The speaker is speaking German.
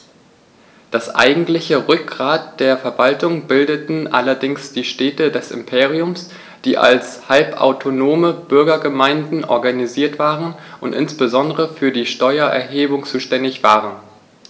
Das eigentliche Rückgrat der Verwaltung bildeten allerdings die Städte des Imperiums, die als halbautonome Bürgergemeinden organisiert waren und insbesondere für die Steuererhebung zuständig waren.